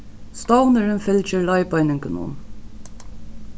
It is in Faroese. stovnurin fylgir leiðbeiningunum